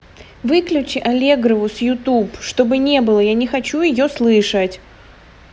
выключи аллегрову с youtube чтобы не было я не хочу ее слышать